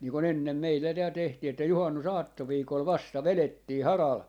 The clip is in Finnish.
niin kun ennen meillä täällä tehtiin että juhannusaattoviikolla vasta vedettiin haralla